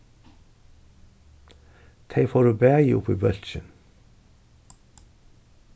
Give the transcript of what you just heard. tey fóru bæði upp í bólkin